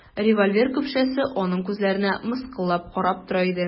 Револьвер көпшәсе аның күзләренә мыскыллап карап тора иде.